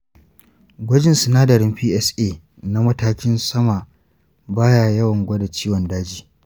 gwajin sinadarin psa na matakin sama baya yawan gwada ciwon daji.